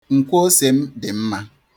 Nkwoose m dị mma.